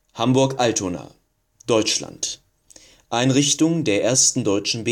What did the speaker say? Hamburg-Altona/Deutschland: Einrichtung der ersten deutschen